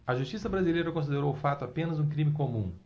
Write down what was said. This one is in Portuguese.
a justiça brasileira considerou o fato apenas um crime comum